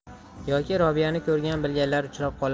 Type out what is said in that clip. yoki robiyani ko'rgan bilganlar uchrab qolar